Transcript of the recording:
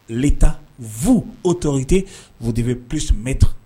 Ta fuu o tɔte wu debe psmɛ tan